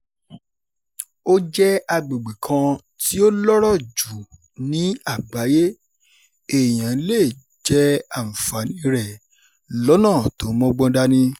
Ó jẹ́ agbègbè kan tí ó lọ́rọ̀ jù ní àgbáyé. Èèyàn lè jẹ àǹfààní rẹ̀ lọ́nà tó mọ́gbọ́n dání.